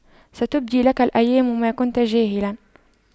ستبدي لك الأيام ما كنت جاهلا